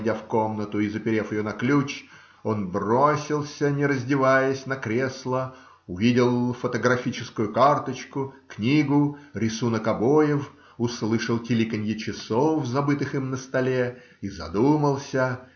войдя в комнату и заперев ее на ключ, он бросился, не раздеваясь, на кресло, увидел фотографическую карточку, книгу, рисунок обоев, услышал тиликанье часов, забытых им на столе, и задумался.